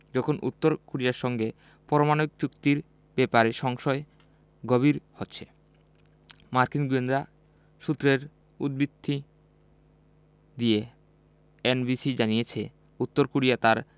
যখন উত্তর কোরিয়ার সঙ্গে পরমাণবিক চুক্তির ব্যাপারে সংশয় গভীর হচ্ছে মার্কিন গোয়েন্দা সূত্রের উদ্ধৃতি দিয়ে এনবিসি জানিয়েছে উত্তর কোরিয়া তার